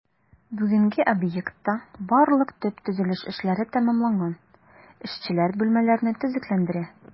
Бүгенгә объектта барлык төп төзелеш эшләре тәмамланган, эшчеләр бүлмәләрне төзекләндерә.